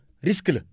risque la